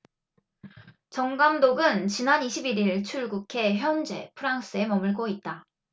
정 감독은 지난 이십 일 일 출국해 현재 프랑스에 머물고 있다